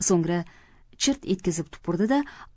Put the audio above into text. so'ngra chirt etkizib tupurdi da